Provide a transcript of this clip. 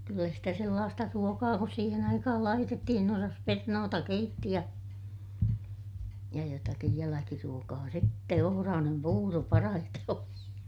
kyllä sitä sellaista ruokaa kuin siihen aikaan laitettiin osasi perunoita keitti ja ja jotakin jälkiruokaa sitten ohrainen puuro parhaiten oli